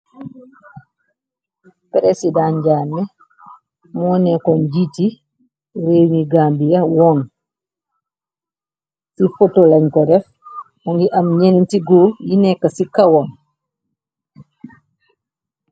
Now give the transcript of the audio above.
Presiden jammeh moo nekkoon jiiti réewe gambia woon ci foto len ko def muge am nente goor yu neka ci kowam.